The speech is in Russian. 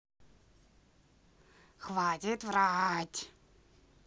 хватит врать